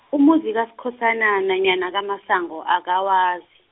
umuzi kaSkhosana, nanyana kaMasango akawazi.